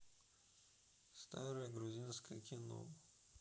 старое грузинское кино